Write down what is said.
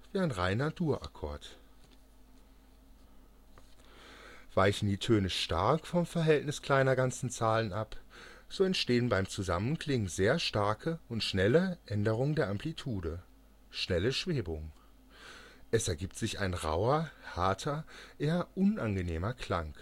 reiner Dur-Akkord. Weichen die Töne stark vom Verhältnis kleiner ganzer Zahlen ab, so entstehen beim Zusammenklingen sehr starke und schnelle Änderungen der Amplitude (schnelle Schwebungen). Es ergibt sich ein rauher, harter, eher unangenehmer Klang